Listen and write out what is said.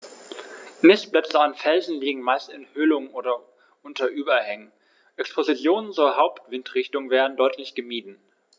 Nistplätze an Felsen liegen meist in Höhlungen oder unter Überhängen, Expositionen zur Hauptwindrichtung werden deutlich gemieden.